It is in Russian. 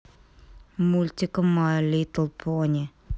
мультик май литл пони